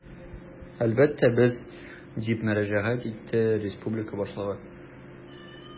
Әлбәттә, без, - дип мөрәҗәгать итте республика башлыгы.